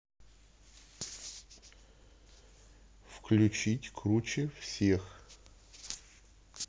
включить круче всех